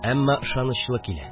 Әммә ышанычлы килә